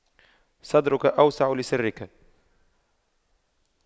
صدرك أوسع لسرك